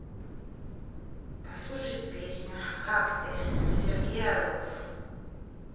послушать песню как ты сергей орлов